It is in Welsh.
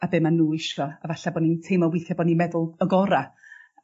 a be ma' n'w isio fo a falla bo' ni'n teimlo weithia' bo' ni meddwl y gora'.